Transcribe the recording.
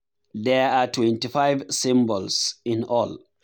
There are 25 symbols in all.